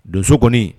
Donso kɔni